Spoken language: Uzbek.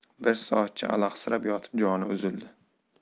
bir soatcha alahsirab yotib joni uzildi